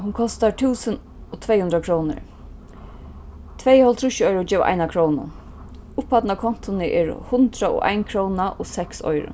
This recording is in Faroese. hon kostar túsund og tvey hundrað krónur tvey hálvtrýssoyru geva eina krónu upphæddin á kontuni er hundrað og ein króna og seks oyru